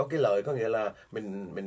cái lợi có nghĩa là mình